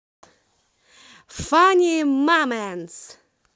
funny moments